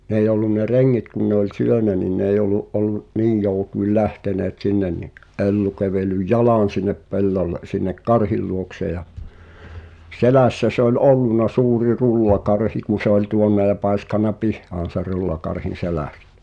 ne ei ollut ne rengit kun ne oli syönyt niin ne ei ollut ollut niin joutuin lähteneet sinne niin Ellu kävellyt jalan sinne pellolle sinne karhin luokse ja selässä se oli ollut suuri rullakarhi kun se oli tuonne ja paiskannut pihaan sen rullakarhin selästä